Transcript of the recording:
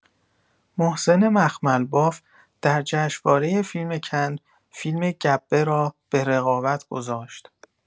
محسن مخملباف در جشنواره فیلم کن فیلم گبه را به رقابت گذاشت.